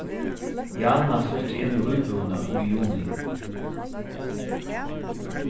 jana flutti inn í íbúðina í juni